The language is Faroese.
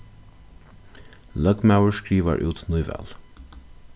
løgmaður skrivar út nýval